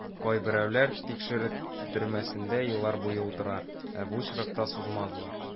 Кайберәүләр тикшерү төрмәсендә еллар буе утыра, ә бу очракта сузмадылар.